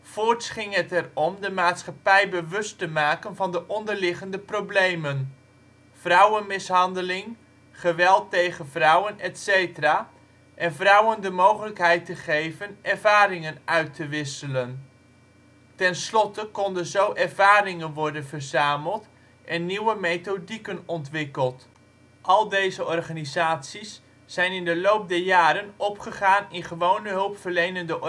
Voorts ging het er om de maatschappij bewust te maken van de onderliggende problemen: vrouwenmishandeling, geweld tegen vrouwen etc en vrouwen de mogelijkheid te geven ervaringen uit te wisselen. Tenslotte konden zo ervaringen worden verzameld en nieuwe methodieken ontwikkeld. Al deze organisaties zijn in de loop der jaren opgegaan in gewone hulpverlenende